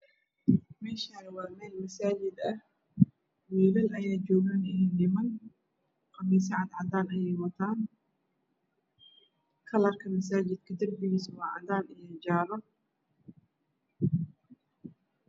Meeshaan waa meel masaajid ah wiilal ayaa jooga iyo niman qamiisyo cadaan ah ayay wataan. Kalarka masaajidka darbigiisa waa cadaan iyo jaalo.